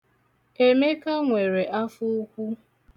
Emeka nwere afọ ukwu.